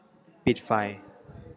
ปิดไฟ